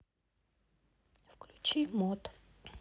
включи мот